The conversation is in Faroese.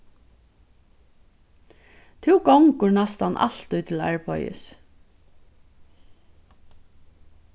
tú gongur næstan altíð til arbeiðis